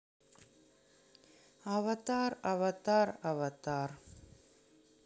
аватар аватар аватар